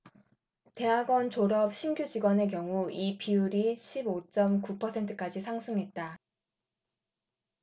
대학원 졸업 신규직원의 경우 이 비율이 십 오 쩜 구 퍼센트까지 상승했다